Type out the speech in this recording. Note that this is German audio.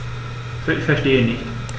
Verstehe nicht.